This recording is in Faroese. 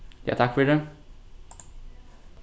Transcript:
ja takk fyri